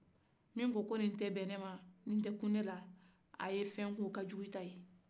min ko ko ni tɛ bɛ ne ma ni tɛ ku ne la a ye fɛn ku o ka jugu nin i ta ye